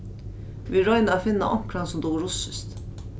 vit royna at finna onkran sum dugir russiskt